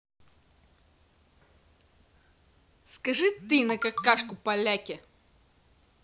скажи ты на какашку поляки